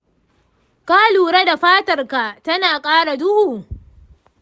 ka lura da fatarka tana ƙara duhu?